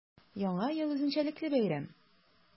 Яңа ел – үзенчәлекле бәйрәм.